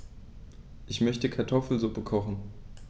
Ich möchte Kartoffelsuppe kochen.